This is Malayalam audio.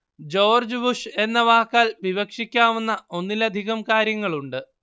ജോര്ജ് ബുഷ് എന്ന വാക്കാല്‍ വിവക്ഷിക്കാവുന്ന ഒന്നിലധികം കാര്യങ്ങളുണ്ട്